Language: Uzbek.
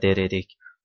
der edik